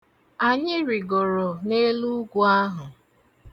Anyị rịgoro n'elu ugwu ahụ.